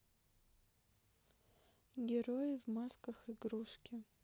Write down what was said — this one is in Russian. герои в масках игрушки